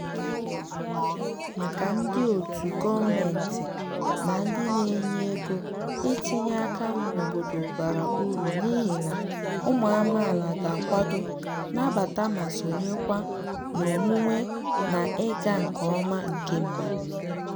Maka ndị òtù, gọọmentị, na ndị na-enye ego, itinye aka n'obodo bara ụrụ n'ịhị na ụmụ amaala ga-akwado, nabata, ma sonyekwa n'onwunwe na ịga nke ọma nke mmemme.